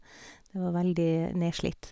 Det var veldig nedslitt.